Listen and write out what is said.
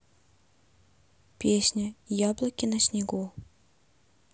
песня яблоки на снегу